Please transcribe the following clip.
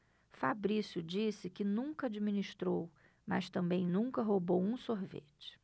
fabrício disse que nunca administrou mas também nunca roubou um sorvete